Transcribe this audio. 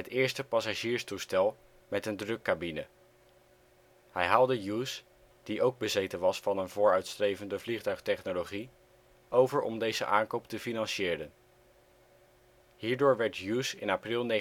eerste passagierstoestel met een drukcabine. Hij haalde Hughes, die ook bezeten was van vooruitstrevende vliegtuigtechnologie, over om deze aankoop te financieren. Hierdoor werd Hughes in april 1939 de